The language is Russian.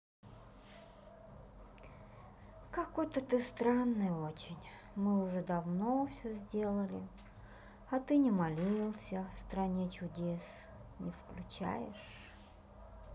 какой то ты странный очень мы уже давно все сделали а ты не молился в стране чудес не включаешь